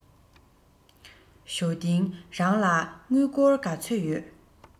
ཞའོ ཏིང རང ལ དངུལ སྒོར ག ཚོད ཡོད